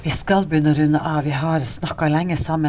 vi skal begynne å runde av vi har snakka lenge sammen.